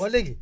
waa léegi